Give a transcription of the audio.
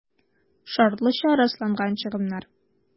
«шартлыча расланган чыгымнар»